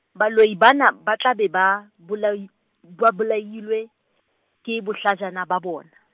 baloi bana ba tla be ba bolai-, ba bolailwe, ke bohlajana ba bona.